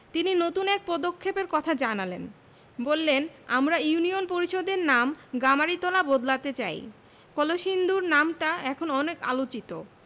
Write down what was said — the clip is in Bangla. তিনি নতুন এক পদক্ষেপের কথা জানালেন বললেন আমরা ইউনিয়ন পরিষদের নাম গামারিতলা বদলাতে চাই কলসিন্দুর নামটা এখন অনেক আলোচিত